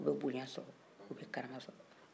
u bɛ bonya sɔrɔ u bɛ karama sɔɾɔ